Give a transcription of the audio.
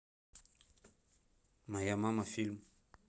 моя мама фильм